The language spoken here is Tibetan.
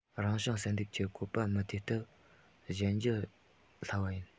རང བྱུང བསལ འདེམས ཀྱི བཀོད པ མི ཐེབས སྟབས གཞན འགྱུར འབྱུང སླ བ ཡིན